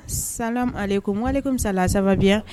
Sa ale ko ma ale kɔmi sala sabaya